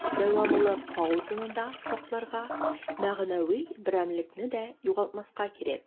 Дәвамлы паузаны да сакларга, мәгънәви берәмлекне дә югалтмаска кирәк.